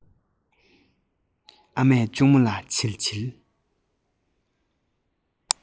ཨ མས གཅུང མོ ལ བྱིལ བྱིལ